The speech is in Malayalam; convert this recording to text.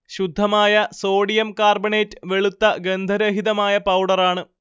ശുദ്ധമായ സോഡിയം കാർബണേറ്റ് വെളുത്ത ഗന്ധരഹിതമായ പൗഡറാണ്